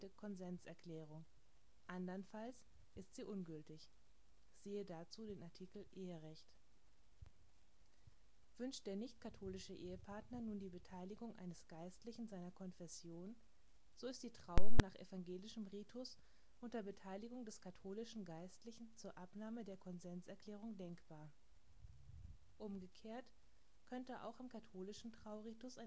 Konsenserklärung "), andernfalls ist sie ungültig (vgl. dazu Eherecht). Wünscht der nicht-katholische Ehepartner nun die Beteiligung eines Geistlichen seiner Konfession, so ist die Trauung nach evangelischem Ritus unter Beteiligung des katholischen Geistlichen zur Abnahme der Konsenserklärung denkbar. Umgekehrt könnte auch am katholischen Trauritus